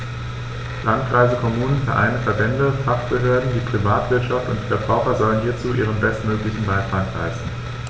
Landkreise, Kommunen, Vereine, Verbände, Fachbehörden, die Privatwirtschaft und die Verbraucher sollen hierzu ihren bestmöglichen Beitrag leisten.